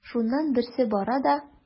Шуннан берсе бара да:.